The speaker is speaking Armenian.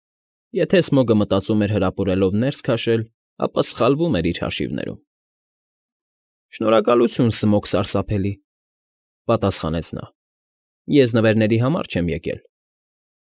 Եթե Սմոգը մտածում էր հրապուրելով ներս քաշել, ապա սխալվում էր իր հաշիվներում։ ֊ Շնորհակալություն, ով Սմոգ Սարսափելի,֊ պատասխանեց նա։֊ Ես նվերների համար չեմ եկել։